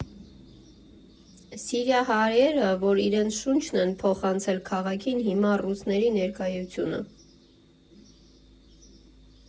Սիրիահայերը, որ իրենց շունչն են փոխանցել քաղաքին, հիմա՝ ռուսների ներկայությունը։